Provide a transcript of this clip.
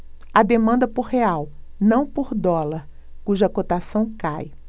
há demanda por real não por dólar cuja cotação cai